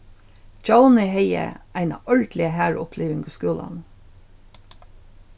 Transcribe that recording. djóni hevði eina ordiliga harða uppliving í skúlanum